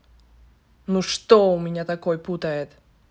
ну что у меня такой путает